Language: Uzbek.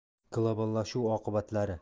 globallashuv oqibatlari